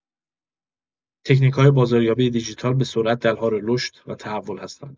تکنیک‌های بازاریابی دیجیتال به‌سرعت در حال رشد و تحول هستند.